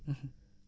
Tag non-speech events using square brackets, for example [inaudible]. [hesitation] [hesitation]